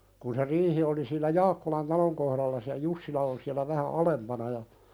kun se riihi oli siellä Jaakkolan talon kohdalla ja Jussila on siellä vähän alempana ja